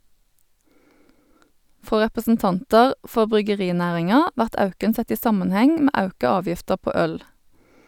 Frå representantar for bryggerinæringa vert auken sett i samanheng med auka avgifter på øl.